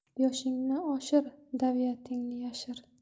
yoshingni oshir daviatingni yashir